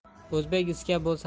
o'zbek iskab bo'lsa